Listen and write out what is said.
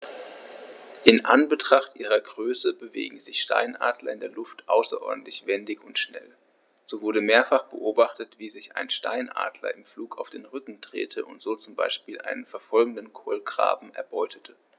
In Anbetracht ihrer Größe bewegen sich Steinadler in der Luft außerordentlich wendig und schnell, so wurde mehrfach beobachtet, wie sich ein Steinadler im Flug auf den Rücken drehte und so zum Beispiel einen verfolgenden Kolkraben erbeutete.